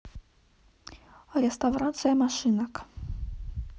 реставрация машинок